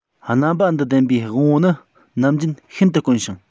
རྣམ པ འདི ལྡན པའི དབང པོ ནི ནམ རྒྱུན ཤིན ཏུ དཀོན ཞིང